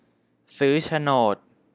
ซื้อโฉนด